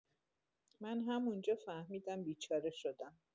من همون‌جا فهمیدم بیچاره شدم.